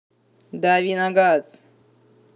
дави на газ